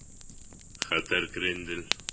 Хәтәр крендель